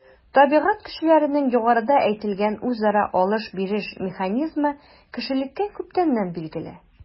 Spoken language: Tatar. Табигать көчләренең югарыда әйтелгән үзара “алыш-биреш” механизмы кешелеккә күптәннән билгеле.